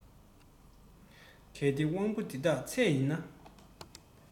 གལ ཏེ དབང པོ འདི དག ཚད ཡིན ན